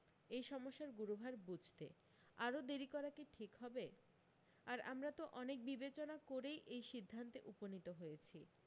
এই সমস্যার গুরুভার বুঝতে আরো দেরি করা কী ঠিক হবে আর আমরা তো অনেক বিবেচনা করেই এই সিদ্ধান্তে উপনীত হয়েছি